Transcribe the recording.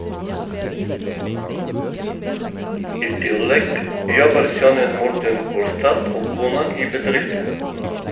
I tillegg jobber sønnen Morten Orstad og kona i bedriften.